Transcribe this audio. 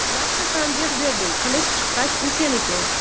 yaxshi tanbeh berding qilich chiqqach u seniki